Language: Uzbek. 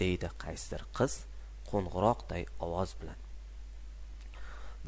deydi qaysidir qiz qo'ng'irokday ovoz bilan